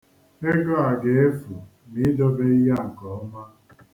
Ego a ga-efu ma i dobeghị ya nke ọma.